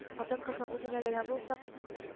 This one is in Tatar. Хатын-кызның үзенә генә булсак